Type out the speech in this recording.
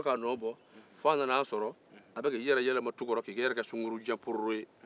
a y'a nɔ bɔ fa nan'a sɔrɔ a y'i yɛlɛma tu kɔrɔ k'i kɛ sunguru je pororo ye